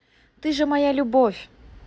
ты же моя любовь